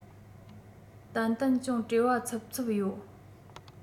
ཏན ཏན ཅུང བྲེལ བ འཚུབ འཚུབ ཡོད